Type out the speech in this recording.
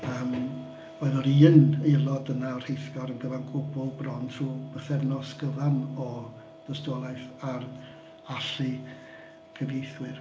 Yym roedd yr un aelod yna o rheithgor yn gyfan gwbl bron trwy bythefnos gyfan o dystiolaeth ar allu cyfieithwyr.